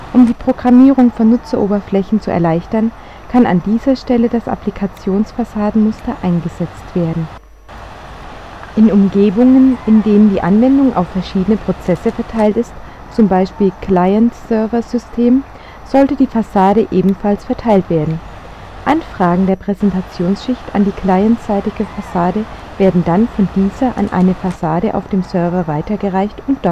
Um die Programmierung von Nutzeroberflächen zu erleichtern kann an dieser Stelle das Applikations-Fassade-Muster eingesetzt werden. Aufteilung der Anwendung in Schichten In Umgebungen in denen die Anwendung auf verschiedene Prozesse verteilt ist (z.B. Client-Server-System), sollte die Fassade ebenfalls verteilt werden. Anfragen der Präsentationsschicht an die clientseitige Fassade werden dann von dieser an eine Fassade auf dem Server weitergereicht und